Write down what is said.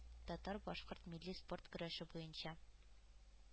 Татар-башкорт милли спорт көрәше буенча